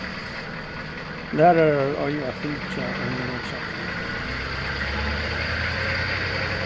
lærarar eiga at fylgja eini námsætlan